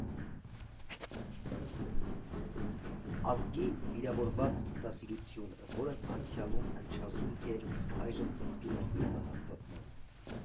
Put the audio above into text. Ազգի վիրավորված ինքնասիրություն, որն անցյալում ընչազուրկ է իսկ այժմ ձգտում է ինքնահաստատման։